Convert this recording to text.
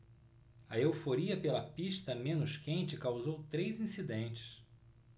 a euforia pela pista menos quente causou três incidentes